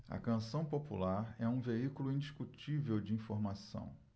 a canção popular é um veículo indiscutível de informação